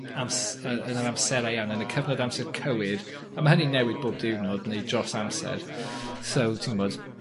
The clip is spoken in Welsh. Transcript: ams- yy yn yr amserau iawn yn y cyfnod amser cywir a ma' hynny'n newid bob diwrnod neu dros amser so ti'n gwbod